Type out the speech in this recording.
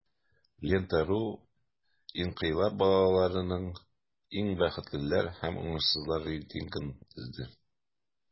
"лента.ру" инкыйлаб балаларының иң бәхетлеләр һәм уңышсызлар рейтингын төзеде.